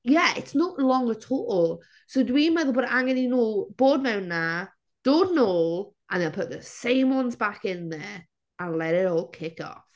Yeah it's not long at all. So dwi'n meddwl bod angen i nhw bod mewn 'na dod nôl and then put the same ones back in there and let it all kick off.